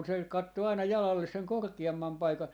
mutta kun se katsoo aina jalalle sen korkeamman paikan